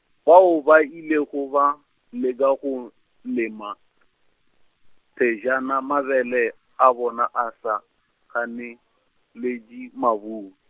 bao ba ilego ba, leka go lema , pejana mabele a bona a sa, ganeletše mobung.